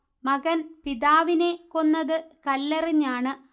മകൻ പിതാവിനെ കൊന്നത് കല്ലെറിഞ്ഞാണ്